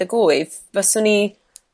wyth fyswn i